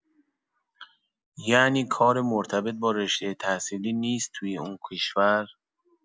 یعنی کار مرتبط با رشته تحصیلی نیست توی اون کشور؟